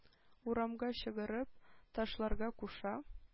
Урамга чыгарып ташларга куша.